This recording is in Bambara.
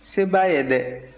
se b'a ye dɛ